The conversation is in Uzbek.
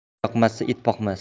ishyoqmasga it boqmas